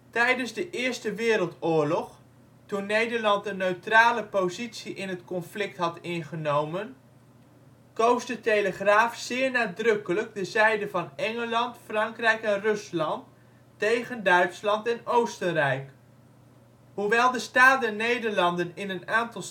Tijdens de Eerste Wereldoorlog, toen Nederland een neutrale positie in het conflict had ingenomen, koos De Telegraaf zeer nadrukkelijk de zijde van Engeland, Frankrijk en Rusland tégen Duitsland en Oostenrijk. Hoewel de Staat der Nederlanden in een aantal strafprocessen